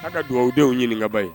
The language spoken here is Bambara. A ka dugawuwadenw ɲini ɲininkakaba ye